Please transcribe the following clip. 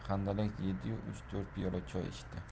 yediyu uch to'rt piyola choy ichdi